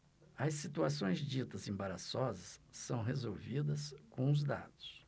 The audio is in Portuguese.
as situações ditas embaraçosas são resolvidas com os dados